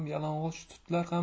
yalang'och tutlar ham